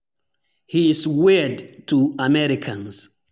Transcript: He's weird to Americans.